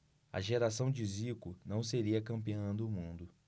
a geração de zico não seria campeã do mundo